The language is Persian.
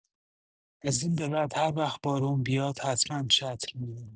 ازاین‌به‌بعد هر وقت بارون بیاد، حتما چتر میارم.